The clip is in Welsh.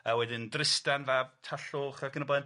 A wedyn Dristan fab Tallwch ac yn y blaen.